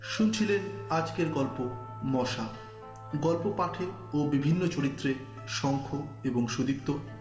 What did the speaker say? শুনছিলেন আজকের গল্প মশা গল্প পাঠে ও বিভিন্ন চরিত্রে শংখ এবং সুদিপ্ত